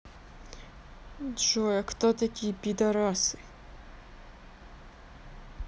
джой а кто такие пидарасы